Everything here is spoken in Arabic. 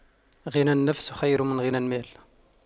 غنى النفس خير من غنى المال